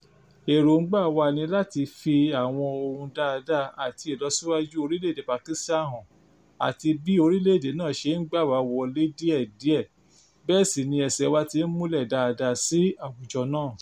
Èròńgbà wa ni láti fi àwọn ohun dáadáa àti ìlọsíwájú orílẹ̀ Pakistan hàn àti bí orílẹ̀-èdè náà ṣe ń gbà wá wọlé díẹ̀díẹ̀ bẹ́ẹ̀ sí ni ẹsẹ̀ wa ti ń múlẹ̀ dáadáa sí i àwùjọ náà.